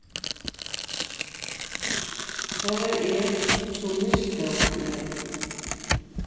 tað var eg sum mistók meg